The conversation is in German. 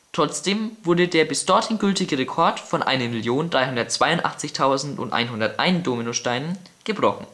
Trotzdem wurde der bis dorthin gültige Rekord von 1.382.101 Dominosteinen gebrochen